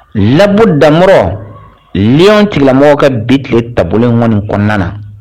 Labɔ dan ɔn tilekɛ bi tile taabolo0ɔni kɔnɔna na